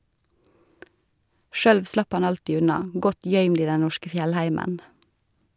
Sjølv slapp han alltid unna , godt gøymd i den norske fjellheimen.